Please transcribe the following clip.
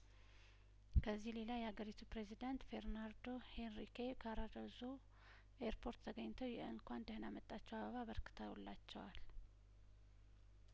ከዚህ ሌላ የሀገሪቱ ፕሬዚዳንት ፌርናንዶ ሄንሪኬ ካርዶ ዞ ኤርፖርት ተገኝተው የእንኳን ደህና መጣችሁ አበባ አበርክተውላቸዋል